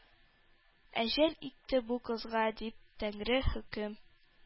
«әҗәл җитте бу кызга!»— дип, тәңре хөкем